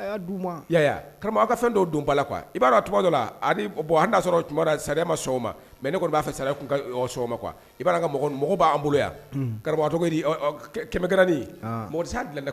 A'a sɔrɔ mɛ ne kɔni b'a fɛ ia b'an bolo yan kara cogo di kɛmɛkɛ mori